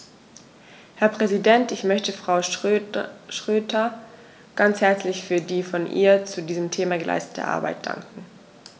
Herr Präsident, ich möchte Frau Schroedter ganz herzlich für die von ihr zu diesem Thema geleistete Arbeit danken.